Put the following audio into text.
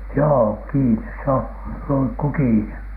joo kiinni se on lunkku kiinni